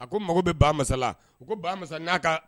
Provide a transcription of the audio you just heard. A ko mago bɛ ba masala ko ba masa n'a